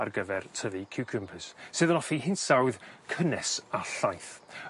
ar gyfer tyfu ciwcymbyrs sydd yn offi hinsawdd cynnes a llaith.